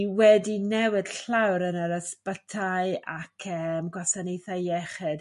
i wedi newid llawr yn y ysbytai ac eem gwasanaethau iechyd